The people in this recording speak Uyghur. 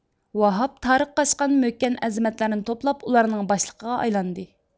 ۋاھاپ تارىخ قاچقان مۆككەن ئەزىمەتلەرنى توپلاپ ئۇلارنىڭ باشلىقىغا ئايلاندى